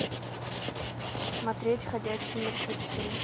смотреть ходячие мертвецы